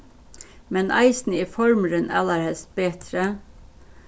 men eisini er formurin allarhelst betri